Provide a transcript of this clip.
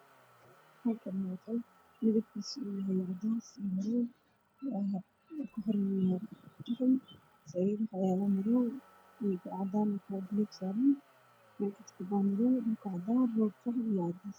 Halkaan waa qol midabkiisu uu yahay cadeys iyo madow, daaha kuxiran waa qaxwi, sariiraha waa madow, go saaran waa cadaan, katabaan madow, dhulka waa cadaan iyo roog qaxwi iyo cadeys ah.